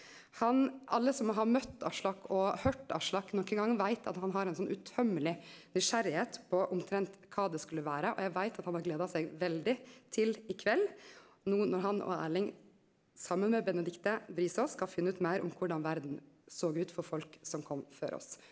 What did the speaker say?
han alle som har møtt Aslak og høyrt Aslak nokon gong veit at han har ein sånn utømmeleg nysgjerrigheit på omtrent kva det skulle vere, og eg veit at han har gledd seg veldig til i kveld no når han og Erling saman med Benedicte Briså skal finne ut meir om korleis verda såg ut for folk som kom før oss.